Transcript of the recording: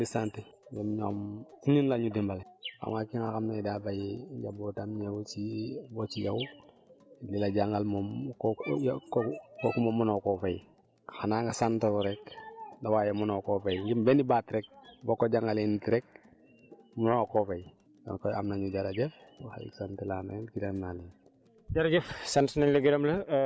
projet bi ah maa ngi leen di gërëm maa ngi leen di sant yéen ñoom ñun la ñu dimbale xam nga ki nga xam ne daa bàyyi njabootam ñëw si ba ci yow di la jàngal moom kooku yow kooku moom mënoo koo fay xanaa nga sant ko rek waaye mënoo koo fay lim benn baat rek boo ko jàngalee nit rek mënoo koo fay ñoom kay am nañu jërëjëf sant naa leen gërëm naa leen